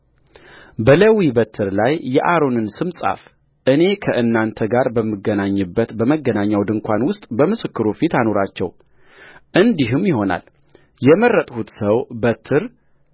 በሌዊ በትር ላይ የአሮንን ስም ጻፍእኔ ከእናንተ ጋር በምገናኝበት በመገናኛው ድንኳን ውስጥ በምስክሩ ፊት አኑራቸውእንዲህም ይሆናል የመረጥሁት ሰው በትር